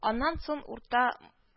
Аннан сон Урта